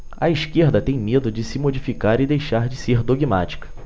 a esquerda tem medo de se modificar e deixar de ser dogmática